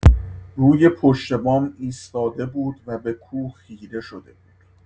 روی پشت‌بام ایستاده بود و به کوه خیره شده بود.